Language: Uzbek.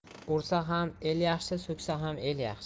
ursa ham el yaxshi so'ksa ham el yaxshi